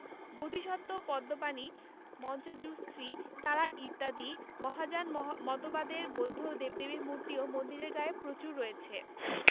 বোধিসত্ত্ব পদ্মপাণিমঞ্জুশ্রী তারা ইত্যাদি মহাযান মতবাদের বৌদ্ধ দেবদেবীর মূর্তিও মন্দিরের গায়ে প্রচুর রয়েছে